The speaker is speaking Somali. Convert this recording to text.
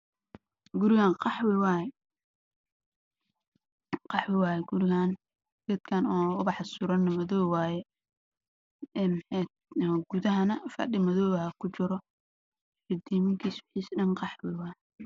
Waa qol darbigana waa madow